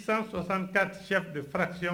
Sɔsan kasɛ bɛ farati